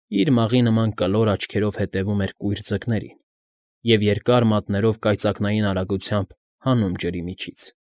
Իր՝ մաղի նման կլոր աչքերով հետևում էր կույր ձկներին և երկար մատներով կայծակնային արագությամբ հանում ջրի միջից։